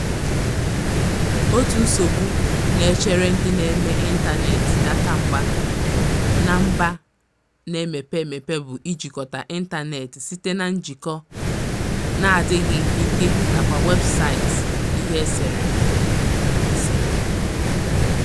Otu nsogbu na-echere ndị na-eme ịntanetị aka mgba na mba na-emepe emepe bụ ijikọta ịntanetị site na njikọ na-adịghị ike nakwa website ihe eserese.